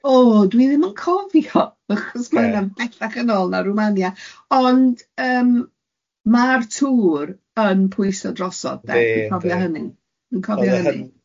O dwi ddim yn cofio achos mae hynna'n bellach yn ôl na Rwmania, ond yym ma'r tŵr yn pwyso drosodd de. Yndi yndi. Dwi'n cofio hynny dwi'n cofio hynny.